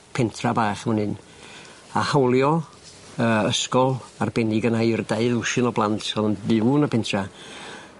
pentra bach man 'yn a hawlio yy ysgol arbennig yna i'r dau wsin o blant o'dd yn byw yn y pentra